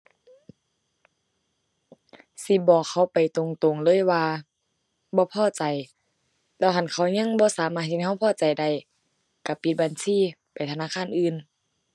สิบอกเขาไปตรงตรงเลยว่าบ่พอใจ แต่หั้นเขายังบ่สามารถเฮ็ดให้เราพอใจได้ เราปิดบัญชี ไปธนาคารอื่น